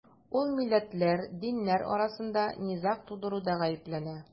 Ул милләтләр, диннәр арасында низаг тудыруда гаепләнә.